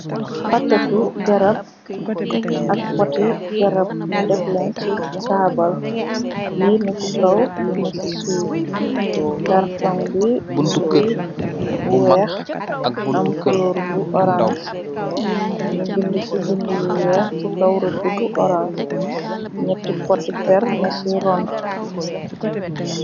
Paketu garab ak poti garab, ñu daxleen ci taabal, yi na fi kaw yi na ci suuf, karton bi mëngi weex am koloor bu orange, ñu bind ci bind yi weex, ci kaw rëddubu orange, ñetti poti per na ci ron.